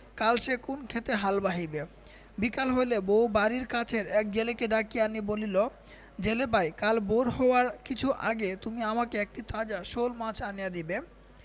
কাল সে কোন ক্ষেতে হাল বাহিবে বিকাল হইলে বউ বাড়ির কাছের এক জেলেকে ডাকিয়া আনিয়া বলিল জেলে ভাই কাল ভোর হওয়ার কিছু আগে তুমি আমাকে একটি তাজা শোলমাছ আনিয়া দিবে